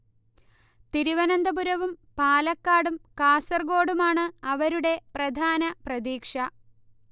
തിരുവനന്തപുരവും പാലക്കാടും കാസർകോടുമാണ് അവരുടെ പ്രധാന പ്രതീക്ഷ